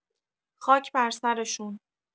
خاک برسرشون.